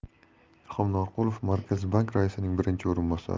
ilhom norqulov markaziy bank raisining birinchi o'rinbosari